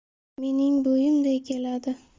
mening bo'yimday keladi